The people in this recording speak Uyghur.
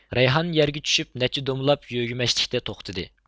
رەيھان يەرگە چۈشۈپ نەچچە دومىلاپ يۆگىمەچلىكتە توختىدى